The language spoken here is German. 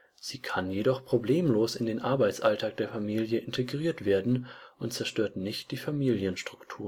Sie kann jedoch problemlos in den Arbeitsalltag der Familie integriert werden und zerstört nicht die Familienstrukturen. Um